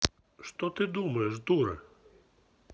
что ты умеешь дура